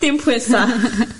dim pwysa.